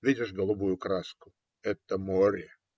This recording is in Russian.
Видишь голубую краску? Это море.